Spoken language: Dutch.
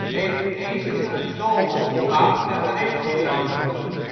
Eveneens is er een doolhof gebouwd nabij het drielandenpunt